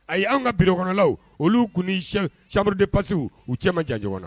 Ayi anw ka birokɔnɔnaw, olu kun ni chambre de passes u cɛ man jan ɲɔgɔn na